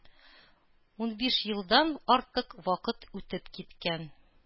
Унбиш елдан артык вакыт үтеп киткән